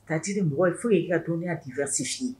Taati di mɔgɔ ye foyi ye' ka to n min' disisi ye